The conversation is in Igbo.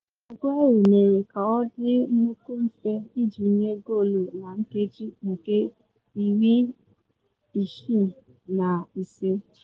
Aguero mere ka ọ dị nnukwu mfe iji nye goolu na nkeji nke 65.